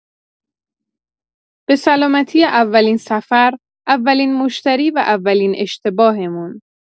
به سلامتی اولین سفر، اولین مشتری و اولین اشتباهمون.